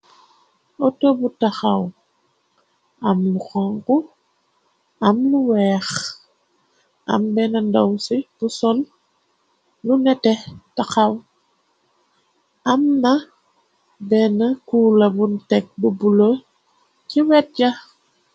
Auto bu taxaw am lu xonku am lu weex am benna ndow ci bu sol lu neteh taxaw am na benna kuula bu tek bunj bulow ci wet ja.